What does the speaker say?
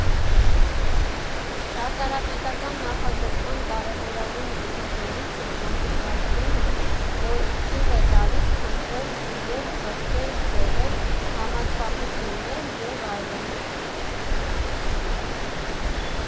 Ճարտարապետական նախագծման կարևորագույն մեթոդներից է մակետավորումը, որը թույլ է տալիս փնտրել, ստուգել, հղկել ձևեր, համաչափություններ և այլն։